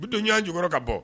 Bi don ɲɔan jukɔrɔ ka bɔ